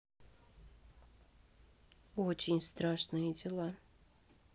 очень страшные дела